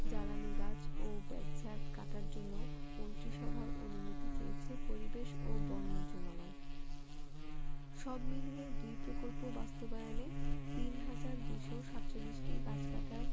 জ্বালানি গাছ ও বেতঝাড় কাটার জন্য মন্ত্রিসভার অনুমতি চেয়েছে পরিবেশ ও বন মন্ত্রণালয় সব মিলিয়ে দুই প্রকল্প বাস্তবায়নে ৩হাজার ২৪৭টি গাছ কাটার